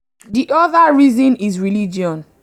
The other reason is religion.